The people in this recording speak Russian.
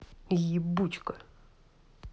ебучка